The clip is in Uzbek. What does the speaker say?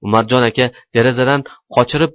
umarjon aka derazadan qochirib